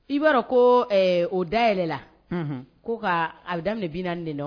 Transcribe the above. I b'a dɔn ko o day la' ka a daminɛ bin naani nin dɛɛ